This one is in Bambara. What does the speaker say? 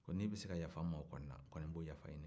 ko ni bɛ se ka yafa o kɔni na n kɔni b'o yafa ɲini fɛ